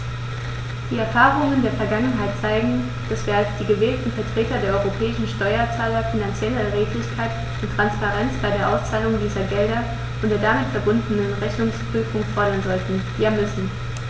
Die Erfahrungen der Vergangenheit zeigen, dass wir als die gewählten Vertreter der europäischen Steuerzahler finanzielle Redlichkeit und Transparenz bei der Auszahlung dieser Gelder und der damit verbundenen Rechnungsprüfung fordern sollten, ja müssen.